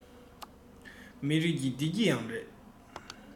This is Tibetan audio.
མི རིགས ཀྱི བདེ སྐྱིད ཡང རེད